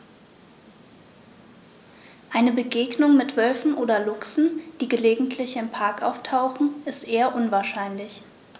Eine Begegnung mit Wölfen oder Luchsen, die gelegentlich im Park auftauchen, ist eher unwahrscheinlich.